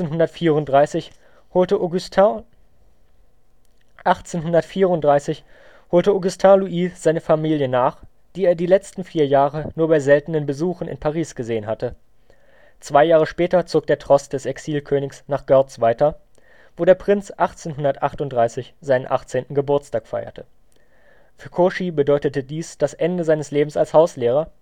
mit ihm. 1834 holte Augustin Louis seine Familie nach, die er die letzten vier Jahre nur bei seltenen Besuchen in Paris gesehen hatte. Zwei Jahre später zog der Tross des Exilkönigs nach Görz weiter, wo der Prinz 1838 seinen 18. Geburtstag feierte. Für Cauchy bedeutete dies das Ende seines Lebens als Hauslehrer